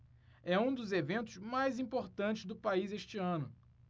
é um dos eventos mais importantes do país este ano